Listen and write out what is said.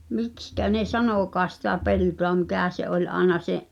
miksi ne sanokaan sitä peltoa mikä se oli aina se